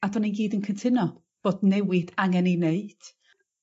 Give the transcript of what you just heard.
a 'dyn ni gyd yn cytuno bod newid angen 'i wneud